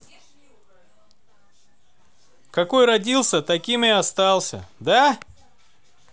какой родился таким и остался да